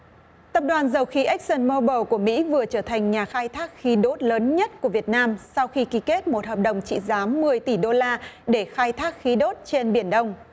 tập đoàn dầu khí ếch xừn mo bồ của mỹ vừa trở thành nhà khai thác khí đốt lớn nhất của việt nam sau khi ký kết một hợp đồng trị giá mười tỷ đô la để khai thác khí đốt trên biển đông